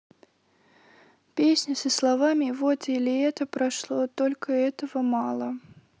песня со словами вот или это прошло только этого мало